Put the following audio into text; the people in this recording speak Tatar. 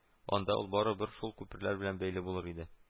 Анда ул барыбер шул күперләр белән бәйле булыр иде